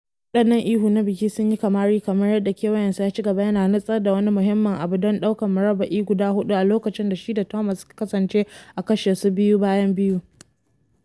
Waɗannan ihu na biki sun yi kamari kamar yadda kewayansa ya ci gaba, yana nutsar da wani muhimmin abu don daukan murabba’i guda huɗu a lokacin da shi da Thomas suka kasance a kashe su biyu bayan biyun.